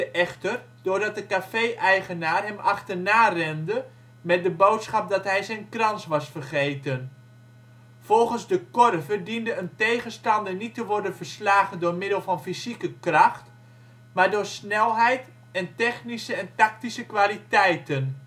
echter doordat de café-eigenaar hem achterna rende met de boodschap dat hij zijn krans was vergeten. Volgens De Korver diende een tegenstander niet te worden verslagen door middel van fysieke kracht, maar door snelheid en technische en tactische kwaliteiten